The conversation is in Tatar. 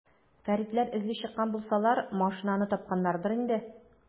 Фәритләр эзли чыккан булсалар, машинаны тапканнардыр инде.